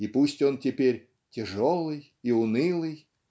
и пусть он теперь "тяжелый и унылый"